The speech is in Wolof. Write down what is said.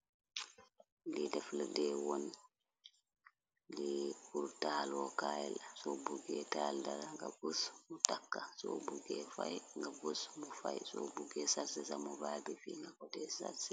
li def la dee won li hurtaalokaayl soo bugge taal dara nga bus mu takk soo bugge fay nga bu mu fay soo bugge sarse samu baa bi fi nga xote sars